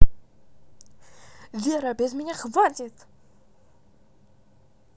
вера без меня хватит